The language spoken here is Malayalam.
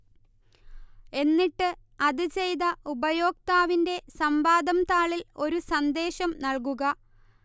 എന്നിട്ട് അത് ചെയ്ത ഉപയോക്താവിന്റെ സംവാദം താളിൽ ഒരു സന്ദേശം നൽകുക